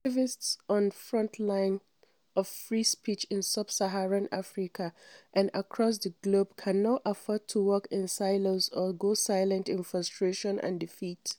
Activists on the front lines of free speech in sub-Saharan Africa and across the globe cannot afford to work in silos or go silent in frustration and defeat.